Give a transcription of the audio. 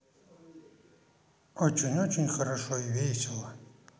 очень очень хорошо и весело